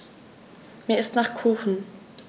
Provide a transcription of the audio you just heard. Mir ist nach Kuchen.